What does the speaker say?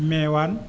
Meewaane